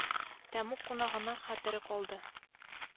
Тәмуг кунагының хәтере калды.